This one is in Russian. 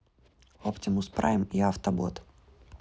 оптимус прайм и автобот